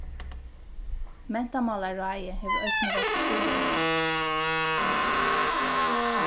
mentamálaráðið hevur eisini veitt stuðul